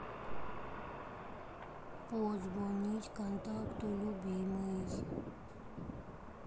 позвонить контакту любимый